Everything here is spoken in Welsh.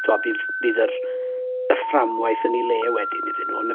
timod fydd fydd yr... y fframwaith yn ei le wedyn iddyn nhw yndyfe